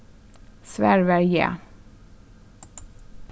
svarið var ja